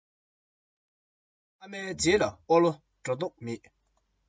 ཕྲུ གུ བསྡད པ མང པོ མཐོང ཡོད འགྲོ